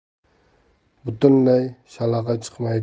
butunlay shalag'i chiqmay